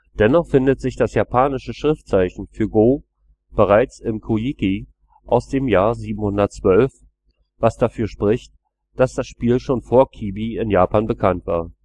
Dennoch findet sich das japanische Schriftzeichen für Go (碁) bereits im Kojiki aus dem Jahr 712, was dafür spricht, dass das Spiel schon vor Kibi in Japan bekannt war